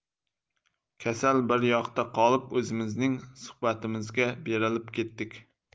kasal bir yoqda qolib o'zimizning suhbatimizga berilib ketdik